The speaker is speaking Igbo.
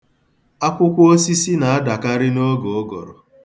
Akwụkwọ osisi na-adakarị n'oge ụgụrụ.